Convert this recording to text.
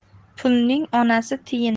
pulning onasi tiyin